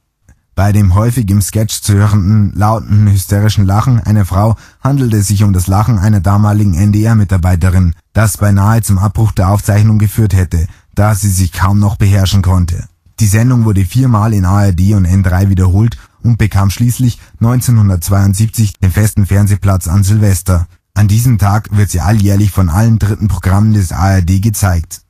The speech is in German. Bei dem häufig im Sketch zu hörenden lauten hysterischen Lachen einer Frau handelt es sich um das Lachen einer damaligen NDR-Mitarbeiterin, das beinahe zum Abbruch der Aufzeichnung geführt hätte, da sie sich kaum noch beherrschen konnte. Die Sendung wurde vier Mal in ARD und N3 wiederholt und bekam schließlich 1972 den festen Fernsehplatz an Silvester. An diesem Tag wird sie alljährlich von allen dritten Programmen der ARD gezeigt